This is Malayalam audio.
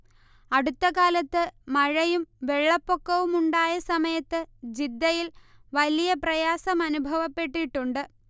അടുത്ത കാലത്ത് മഴയും വെള്ളപ്പൊക്കവുമുണ്ടായ സമയത്ത് ജിദ്ദയിൽ വലിയ പ്രയാസമനുഭവപ്പെട്ടിട്ടുണ്ട്